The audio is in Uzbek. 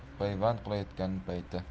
payvand qilayotgan payti